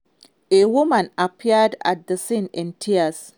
A woman appeared at the scene in tears.